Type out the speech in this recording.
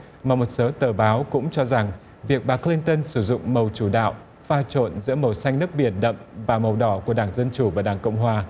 mà một số tờ báo cũng cho rằng việc bà cờ lin tơn sử dụng màu chủ đạo pha trộn giữa màu xanh nước biển đậm và màu đỏ của đảng dân chủ và đảng cộng hòa